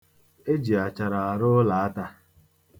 E ji achara arụ ụlọ ata.